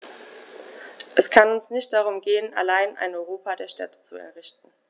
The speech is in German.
Es kann uns nicht darum gehen, allein ein Europa der Städte zu errichten.